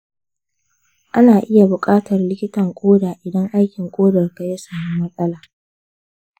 ana iya buƙatar likitan koda idan aikin kodarka ya samu matsala.